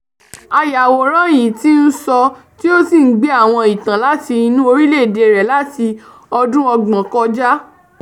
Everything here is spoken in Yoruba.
Ayàwòrán yìí ti ń sọ tí ó sì ń gbé àwọn ìtàn láti inú orílẹ̀-èdè rẹ̀ láti ọdún 30 kọjá.